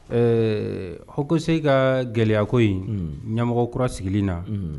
Ɛɛ ko ko se ka gɛlɛyako in ɲamɔgɔ kura sigilen na